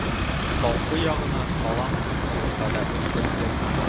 Салпы ягына салам кыстырырга да өлгерде.